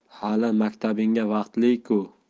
hali maktabingga vaqtli ku